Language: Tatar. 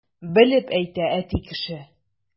Белеп әйтә әти кеше!